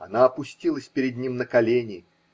Она опустилась перед ним на колени